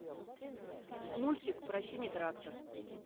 мультик про синий трактор